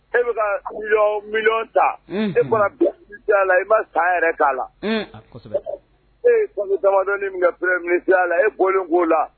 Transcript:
E bɛka ku mi ta e bɔra t'a la i ma sa yɛrɛ k'a la e camandɔ min ka p t aa la e bɔlen' la